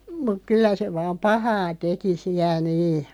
mutta kyllä se vain pahaa teki siellä niin